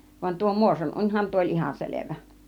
vaan tuo Muoson unihan tuo oli ihan selvä